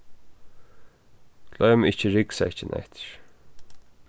gloym ikki ryggsekkin eftir